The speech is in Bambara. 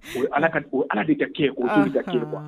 O ye Ala ka d oo Ala de ka kɛ ye anhaan o t'olu ka kɛ ye quoi